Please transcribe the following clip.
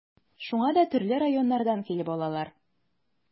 Шуңа да төрле районнардан килеп алалар.